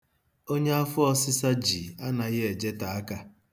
Onye afọọsịsa ji anaghị ejete aka.